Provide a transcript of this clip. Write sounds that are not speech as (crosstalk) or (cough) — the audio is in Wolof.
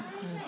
(crosstalk) (hesitation) (hesitation)